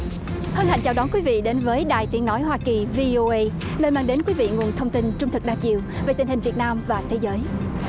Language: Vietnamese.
hân hạnh chào đón quý vị đến với đài tiếng nói hoa kỳ vi ô ây nơi mang đến quý vị nguồn thông tin trung thực đa chiều về tình hình việt nam và thế giới